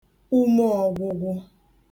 umo ọ̄gwụ̄gwụ̄